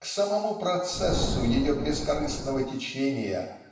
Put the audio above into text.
к самому процессу ее бескорыстного течения